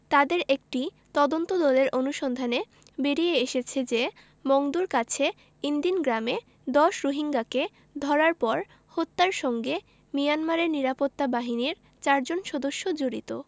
তাদের একটি তদন্তদলের অনুসন্ধানে বেরিয়ে এসেছে যে মংডুর কাছে ইনদিন গ্রামে ১০ রোহিঙ্গাকে ধরার পর হত্যার সঙ্গে মিয়ানমারের নিরাপত্তা বাহিনীর চারজন সদস্য জড়িত